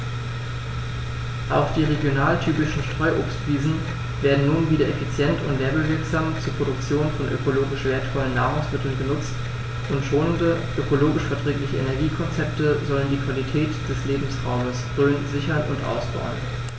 Auch die regionaltypischen Streuobstwiesen werden nun wieder effizient und werbewirksam zur Produktion von ökologisch wertvollen Nahrungsmitteln genutzt, und schonende, ökologisch verträgliche Energiekonzepte sollen die Qualität des Lebensraumes Rhön sichern und ausbauen.